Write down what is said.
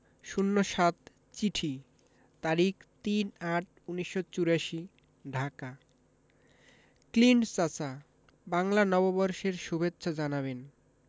০৭ চিঠি তারিখ ৩-৮-১৯৮৪ঢাকা ক্লিন্ট চাচা বাংলা নববর্ষের সুভেচ্ছা জানাবেন